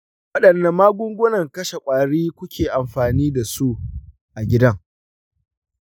wadanne magungunan kashe kwari kuke amfani da su a gida?